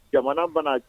Jamana bana